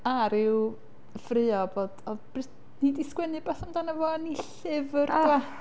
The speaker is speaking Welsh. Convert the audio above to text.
A ryw ffraeo bod oedd Britney 'di sgwennu rwbath amdano fo yn ei llyfr dwad?